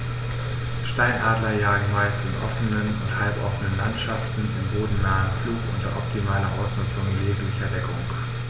Steinadler jagen meist in offenen oder halboffenen Landschaften im bodennahen Flug unter optimaler Ausnutzung jeglicher Deckung.